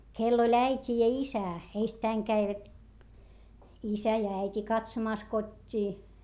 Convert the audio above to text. kenellä oli äiti ja isä ensittäin kävivät isä ja äiti katsomassa kotiin